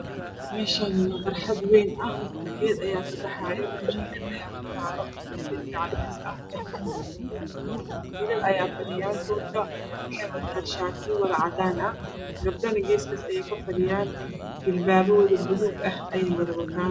Meeshani waa barxad weeyn ah geed ayaa kabaxayo jiingad ayaa ku taalo darbi cadees ah jiingada kalarkeeda gaduud wiilal ayaa fa dhiyaan dhulka waxay wataan shaatiyo wada cadaan ah gabdhana geeskas ayay ka fa dhiyaan jilbaabo wada buluug ah ayay wada wataan